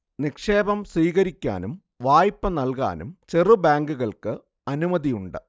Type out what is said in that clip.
നിക്ഷേപം സീകരിക്കാനും വായ്പ നൽക്കാനും ചെറു ബാങ്കുകൾക്ക് അനുമതിയുണ്ട്